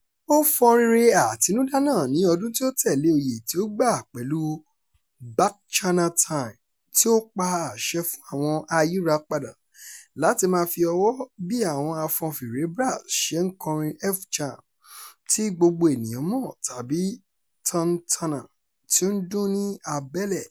Ó fọn rere àtinúdá náà ní ọdún tí ó tẹ̀lé oyè tí ó gbà pẹ̀lú "Bacchanal Time", tí ó pa àṣẹ fún àwọn ayírapadà láti máa "fi ọwọ́ " bí àwọn afọnfèrè brass ṣe ń kọrin "F-jam" tí gbogbo ènìyàn mọ̀ tàbí "tantana" tí ó ń dún ní abẹ́lẹ̀.